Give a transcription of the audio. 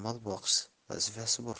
mol boqish vazifasi bor